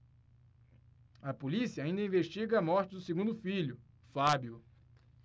a polícia ainda investiga a morte do segundo filho fábio